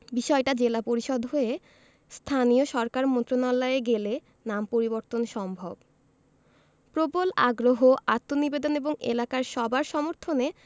বিষয়টা জেলা পরিষদ হয়ে স্থানীয় সরকার মন্ত্রণালয়ে গেলে নাম পরিবর্তন সম্ভব প্রবল আগ্রহ আত্মনিবেদন এবং এলাকার সবার সমর্থনে